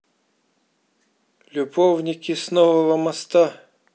любовники с нового моста